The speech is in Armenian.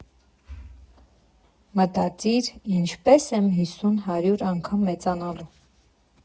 Մտածիր՝ ինչպե՞ս եմ հիսուն֊հարյուր անգամ մեծանալու։